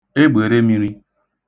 egbèremīrī